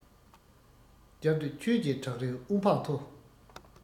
རྒྱབ ཏུ ཆོས ཀྱི བྲག རི དབུ འཕང མཐོ